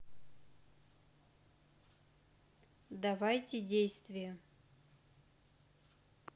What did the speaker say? давайте действие